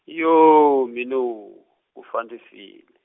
yooo minooo ku fa ndzi file.